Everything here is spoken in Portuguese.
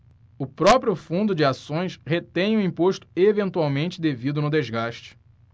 o próprio fundo de ações retém o imposto eventualmente devido no resgate